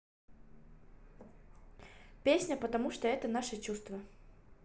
песня потому что это наше чувство